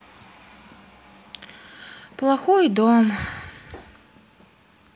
плохой дом